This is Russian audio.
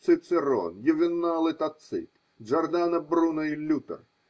Цицерон, Ювенал и Тацит, Джордано Бруно и Лютер